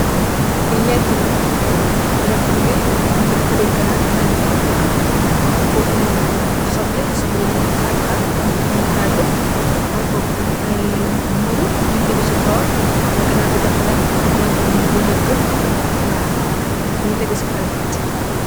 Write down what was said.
Lii leekun la, leekë bi, ñuñ ko defaree ganaar, gënaar bi ñuñ ko lakë, am foo fu soble, soble yi ñuñg ko xar xar. Am mu taadë, am foo fu ay mburu, mburu bi tëdë foo fu si boor.